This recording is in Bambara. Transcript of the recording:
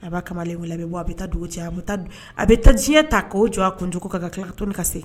A b'a kamalen bɔ a bɛ taa dugu cɛ a a bɛ taa diɲɛ ta ko jɔ a kuncogo ka ka kɛ ka tɔn ka se